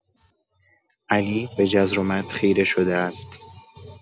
علی به جذر و مد خیره شده است